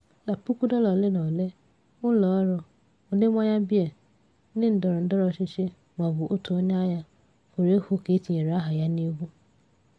Na puku dollar ole na ole, “ụlọọrụ, ụdị mmanya biya, ndị ndọrọndọrọ ọchịchị, maọbụ otu onyeagha” pụrụ ịhụ ka e tinyere aha ya n’egwu.